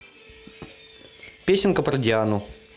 песенка про диану